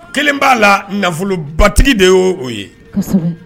Kelen b'a la nafolobatigi de y ye o ye